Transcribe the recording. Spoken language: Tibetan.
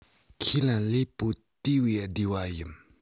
ཁས ལེན ལུས པོ དེ བས བདེ བ ཡིན